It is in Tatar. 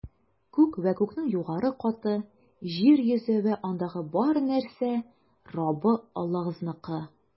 Күк вә күкнең югары каты, җир йөзе вә андагы бар нәрсә - Раббы Аллагызныкы.